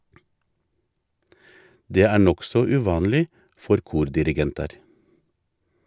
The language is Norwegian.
Det er nokså uvanleg for kordirigentar.